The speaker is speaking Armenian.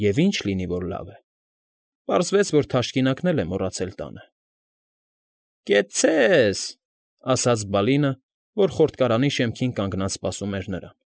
Եվ ինչ լինի, որ լավ է. պարզվեց, որ թաշկինակն էլ է մոռացել տանը։ ֊ Կեցցե՛ս,֊ ասաց Բալինը, որ խորտկարանի շեմքին կանգնած սպասում էր նրան։